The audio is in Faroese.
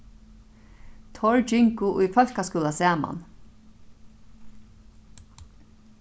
teir gingu í fólkaskúla saman